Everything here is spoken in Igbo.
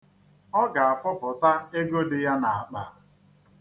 Ọ ga-afọpụta ego dị ya n'akpa.